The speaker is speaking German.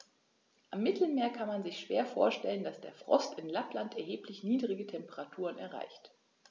Am Mittelmeer kann man sich schwer vorstellen, dass der Frost in Lappland erheblich niedrigere Temperaturen erreicht.